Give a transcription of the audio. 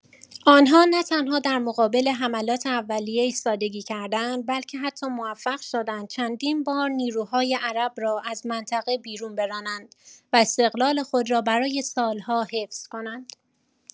آنها نه‌تنها در مقابل حملات اولیه ایستادگی کردند، بلکه حتی موفق شدند چندین‌بار نیروهای عرب را از منطقه بیرون برانند و استقلال خود را برای سال‌ها حفظ کنند.